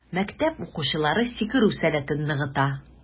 Мәктәп укучылары сикерү сәләтен ныгыта.